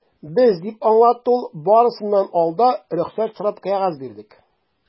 Без, - дип аңлатты ул, - барысыннан алда рөхсәт сорап кәгазь бирдек.